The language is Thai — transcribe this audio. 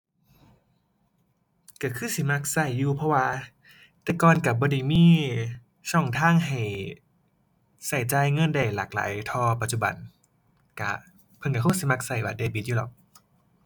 ก็คือสิมักก็อยู่ เพราะว่าแต่ก่อนก็บ่ได้มีช่องทางให้ก็จ่ายเงินได้หลากหลายเท่าปัจจุบัน ก็เพิ่นก็คงสิมักก็บัตรเดบิตอยู่ดอก